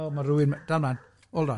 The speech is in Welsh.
O, ma' rywun ma- dal rŵan, hold on.